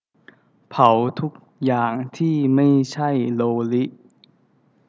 เผาทุกอย่างที่ไม่ใช่โลลิ